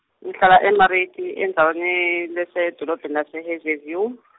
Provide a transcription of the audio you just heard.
Ngihlala eMariti endzaweni lesedolobheni lase Hazyview .